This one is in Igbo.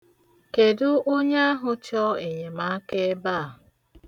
Kedụ onye ahụ chọ enyemaka ebe a?